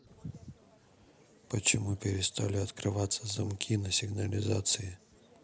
почему перестали открываться замки на сигнализации